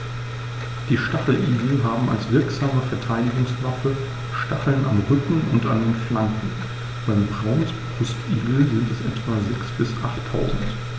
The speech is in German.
Die Stacheligel haben als wirksame Verteidigungswaffe Stacheln am Rücken und an den Flanken (beim Braunbrustigel sind es etwa sechs- bis achttausend).